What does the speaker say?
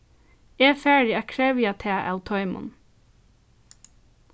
eg fari at krevja tað av teimum